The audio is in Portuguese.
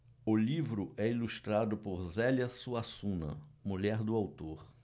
o livro é ilustrado por zélia suassuna mulher do autor